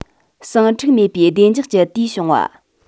ཟིང འཁྲུག མེད པའི བདེ འཇགས ཀྱི དུས བྱུང བ